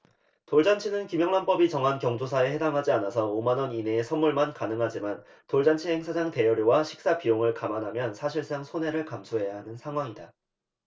돌잔치는 김영란법이 정한 경조사에 해당하지 않아서 오 만원 이내의 선물만 가능하지만 돌잔치 행사장 대여료와 식사비용을 감안하면 사실상 손해를 감수해야 하는 상황이다